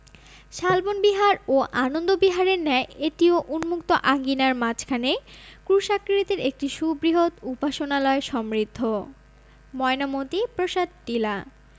শালবন বিহার ও আনন্দ বিহারের ন্যায় এটিও উন্মুক্ত আঙিনার মাঝখানে ক্রুশাকৃতির একটি সুবৃহৎ উপাসনালয় সমৃদ্ধ ময়নামতী প্রসাদ টিলা